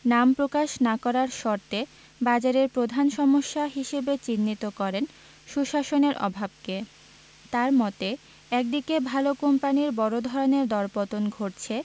নাম প্রকাশ না করার শর্তে বাজারের প্রধান সমস্যা হিসেবে চিহ্নিত করেন সুশাসনের অভাবকে তাঁর মতে একদিকে ভালো কোম্পানির বড় ধরনের দরপতন ঘটছে